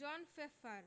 John Feffer